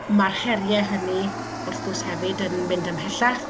Mae'r heriau hynny wrth gwrs hefyd yn mynd ymhellach